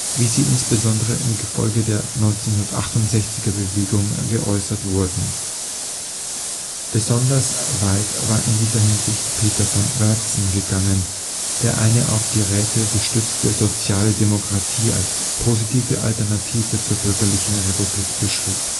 wie sie insbesondere im Gefolge der 1968er Bewegung geäußert wurden. Besonders weit war in dieser Hinsicht Peter von Oertzen gegangen, der eine auf die Räte gestützte soziale Demokratie als positive Alternative zur bürgerlichen Republik beschrieb